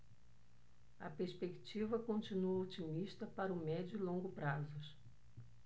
a perspectiva continua otimista para o médio e longo prazos